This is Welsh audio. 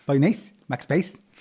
Boi neis, Max Beis.